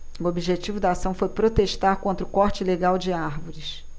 o objetivo da ação foi protestar contra o corte ilegal de árvores